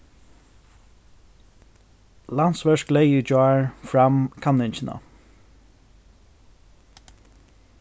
landsverk legði í gjár fram kanningina